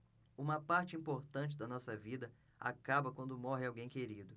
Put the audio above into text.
uma parte importante da nossa vida acaba quando morre alguém querido